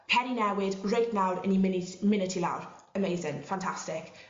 cer i newid reit nawr ;yn ni myn' i myn' â ti lawr. Amazing fantastic.